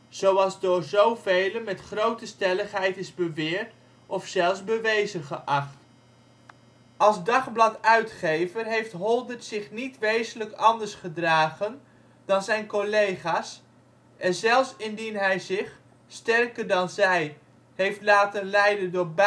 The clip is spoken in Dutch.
zoals door zovelen met grote stelligheid is beweerd of zelfs bewezen geacht. Als dagbladuitgever heeft Holdert zich niet wezenlijk anders gedragen dan zijn collega 's en zelfs indien hij zich - sterker dan zij - heeft laten leiden door baatzucht